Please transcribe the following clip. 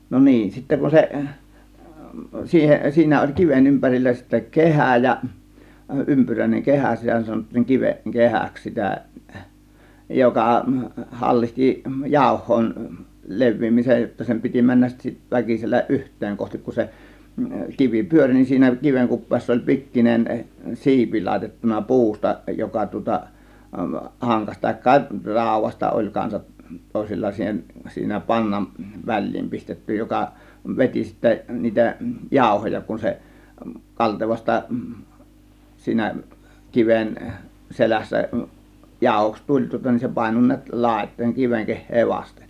no niin sitten kun se siihen siinä oli kiven ympärillä sitten kehä ja ympyräinen kehä sitä sanottiin kiven kehäksi sitä joka hallitsi jauhojen leviämisen jotta sen piti mennä - väkisin yhteen kohti kun se kivi pyöri niin siinä kiven kupeessa oli pikkuinen siipi laitettu puusta joka tuota hankasi tai raudasta oli kanssa toisilla siihen siinä pangan väliin pistetty joka veti sitten niitä jauhoja kun se kaltevasta siinä kiven selässä jauhoksi tuli tuota niin se painoi näet laitoihin kiven kehää vasten